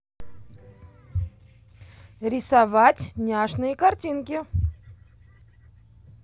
рисовать няшные картинки